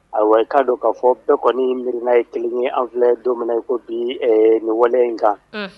A wari k'a don k'a fɔ bɛɛ kɔni miiriina ye kelen ye an filɛ don ko bi nin wale in kan